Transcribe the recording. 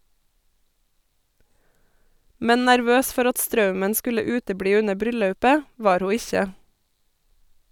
Men nervøs for at straumen skulle utebli under bryllaupet , var ho ikkje.